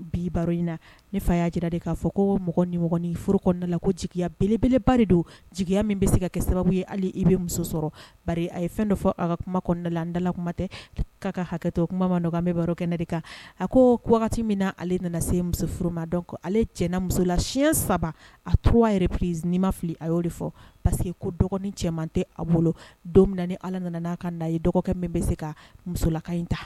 Bi in na ni fa y'a jira de k'a fɔ ko mɔgɔ nif kɔnɔnada la ko jigiya belebeleba don jigiya min bɛ se ka kɛ sababu ye hali i bɛ muso sɔrɔ a ye fɛn dɔ fɔ a ka kuma kɔnɔnada la n dalalakuma tɛ k'a ka hakɛ kuma ma nɔgɔ bɛ kɛnɛ de kan a ko wagati min ale nana se musof ma dɔn kɔ ale cɛ musolayɛn saba a tulo a yɛrɛ psi n' ma fili a y'o de fɔ parce que ko dɔgɔn cɛman tɛ a bolo don ni ala nana n'a kan na ye dɔgɔkɛ min bɛ se ka musolaka in ta